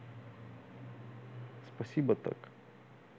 спасибо так